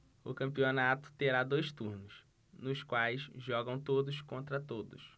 o campeonato terá dois turnos nos quais jogam todos contra todos